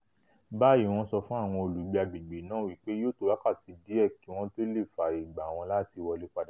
Báyìí wọ́n ńsọ fún àwọn olùgbé agbègbè naa wìpè yóò tó wákàtí diẹ kí wọn tó leè fààyè gbà wọ́n láti wọlé padà.